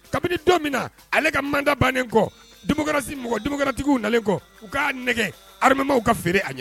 Kabini don min na ale ka manda bannen kɔ dugukarasi mɔgɔ dugukararatigiw na kɔ u k'a nɛgɛlimaw ka feere a ɲɛ